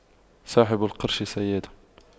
صاحب القرش صياد